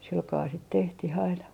sillä kalella sitä tehtiin aina